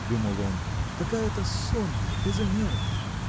– думал он, – какая-то сонная, без энергии.